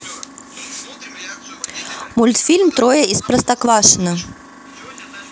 мультфильм трое из простоквашино